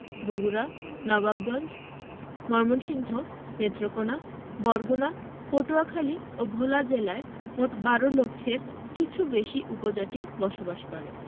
বগুড়া নবাবগঞ্জ ময়মনসিংহ নেত্রকোনা বরগুনা পটুয়াখালী ও ভোলা জেলায় মোট ১২ লক্ষের কিছু বেশি উপজাতি বসবাস করে